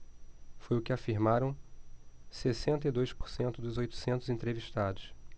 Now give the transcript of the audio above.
foi o que afirmaram sessenta e dois por cento dos oitocentos entrevistados